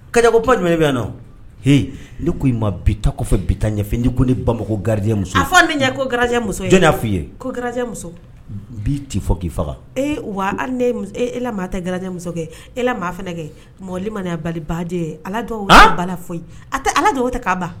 Kaɲakoba jumɛn bɛ na h ne ko i ma bi kɔfɛ bi ɲɛfdi ko ne ban garijɛ a fɔ ne ɲɛ komuso f'i ye ko garan muso bi tɛ fɔ k' faga ee wa e tɛ gari muso kɛ e kɛ mɔ mana balijɛ ala bala fɔ a tɛ ala o tɛ k'a ban